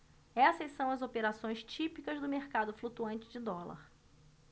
essas são as operações típicas do mercado flutuante de dólar